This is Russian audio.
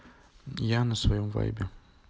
я на своем вайбе